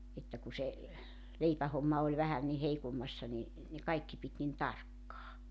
että kun se leipähomma oli vähän niin heikommassa niin ne kaikki piti niin tarkkaan